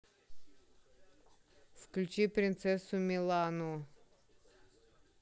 включи принцессу милану